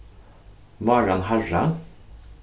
váran harra